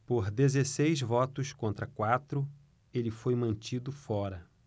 por dezesseis votos contra quatro ele foi mantido fora